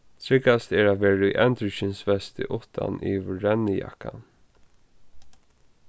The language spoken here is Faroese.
tryggast er at vera í endurskinsvesti uttan yvir rennijakkan